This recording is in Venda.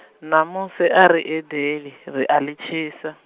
ṋamusi ari edeḽi, ri ali tshisa.